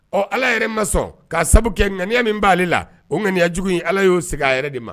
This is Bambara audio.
Ɔ Ala yɛrɛ n ma sɔn k'a sabu kɛ ŋaniya min b'ale la o ŋaniya jugu in Ala y'o segin a yɛrɛ de ma